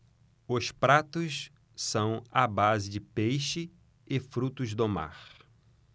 os pratos são à base de peixe e frutos do mar